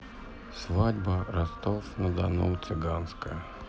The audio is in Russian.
свадьба ростов на дону цыганская